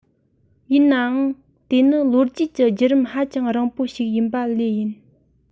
ཡིན ནའང དེ ནི ལོ རྒྱུས ཀྱི བརྒྱུད རིམ ཧ ཅང རིང པོ ཞིག ཡིན པ ལོས ཡིན